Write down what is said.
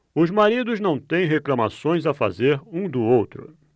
os maridos não têm reclamações a fazer um do outro